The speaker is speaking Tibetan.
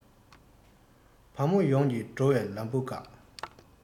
བ མོ ཡོངས ཀྱི འགྲོ བའི ལམ བུ བཀག